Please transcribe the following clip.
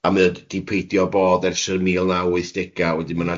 A mae d- di- peidio â bod ers y mil naw wythdega wedyn ma' na ryw